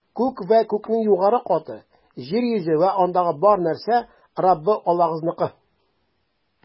Күк вә күкнең югары каты, җир йөзе вә андагы бар нәрсә - Раббы Аллагызныкы.